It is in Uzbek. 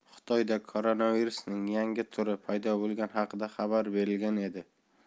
xitoyda koronavirusning yangi turi paydo bo'lgani xaqida xabar berilgan edi